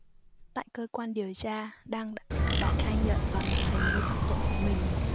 tại cơ quan điều tra đang đã khai nhận toàn bộ hành vi phạm tội của mình